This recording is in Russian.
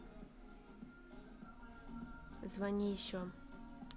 звони еще